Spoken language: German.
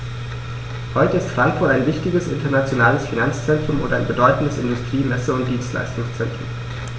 Heute ist Frankfurt ein wichtiges, internationales Finanzzentrum und ein bedeutendes Industrie-, Messe- und Dienstleistungszentrum.